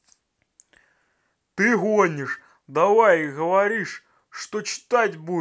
ты гонишь давай говоришь что читать будешь